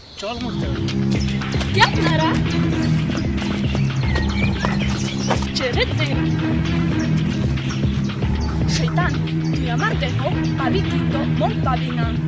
চল মইত্যা কে আপনারা ছেড়ে দে শয়তান তুই আমার দেহ পাবি কিন্তু মন পাবি না